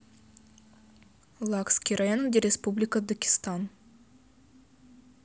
лакский район где республика дагестан